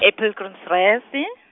e- Pilgrim's Rest.